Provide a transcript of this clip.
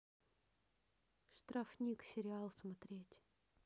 штрафник сериал смотреть